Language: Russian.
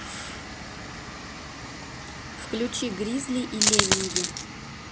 включи гризли и леминги